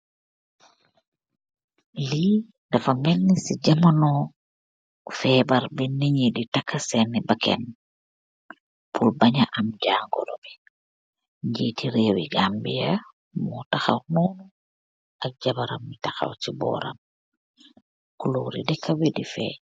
Lii dafa melni ci jamono febar bi nii njii di tahka sehni baken pur banja am jàngoro bi, njiiti rewi Gambia mor takhaw nonu ak jabaram bi takhaw chi bohram, kulorii dehkah bii di fenghh.